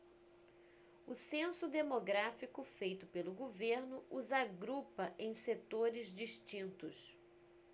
o censo demográfico feito pelo governo os agrupa em setores distintos